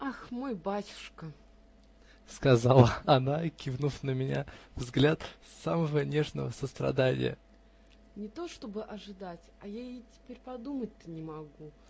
-- Ах, мой батюшка, -- сказала она, кинув на меня взгляд самого нежного сострадания, -- не то, чтобы ожидать, а я и теперь подумать-то не могу.